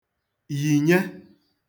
yìnye